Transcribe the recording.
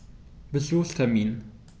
Besuchstermin